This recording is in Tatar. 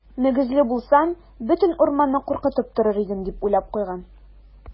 Мөгезле булсам, бөтен урманны куркытып торыр идем, - дип уйлап куйган.